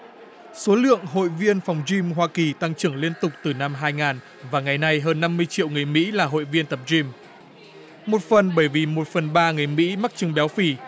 số lượng hội viên phòng dim hoa kỳ tăng trưởng liên tục từ năm hai ngàn và ngày nay hơn năm mươi triệu người mỹ là hội viên tập dim một phần bởi vì một phần ba người mỹ mắc chứng béo phì